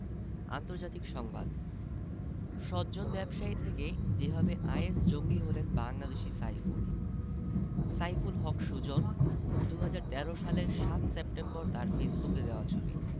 আন্তর্জাতিক সংবাদ সজ্জন ব্যবসায়ী থেকে যেভাবে আইএস জঙ্গি হলেন বাংলাদেশি সাইফুল সাইফুল হক সুজন ২০১৩ সালের ৭ সেপ্টেম্বর তাঁর ফেসবুকে দেওয়া ছবি